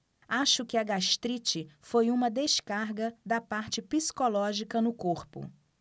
acho que a gastrite foi uma descarga da parte psicológica no corpo